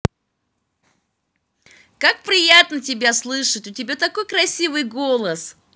как приятно тебя слышать у тебя такой красивый голос